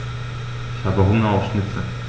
Ich habe Hunger auf Schnitzel.